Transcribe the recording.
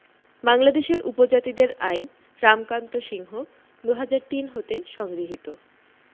বাংলাদেশের উপজাতিদের আইন রামকান্ত সিংহ ২০০৩ হতে সংগৃহীত